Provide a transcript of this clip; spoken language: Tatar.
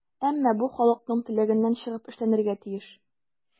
Әмма бу халыкның теләгеннән чыгып эшләнергә тиеш.